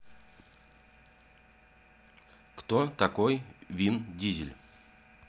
кто такой вин дизель